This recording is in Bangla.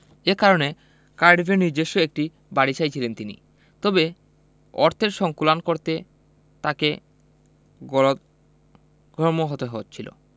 এ কারণে কার্ডিফে নিজেস্ব একটি বাড়ি চাইছিলেন তিনি তবে অর্থের সংকুলান করতে তাঁকে গলদঘর্ম হতে হচ্ছিল